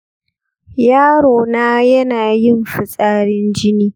yaro na yana yin fitsarin jini.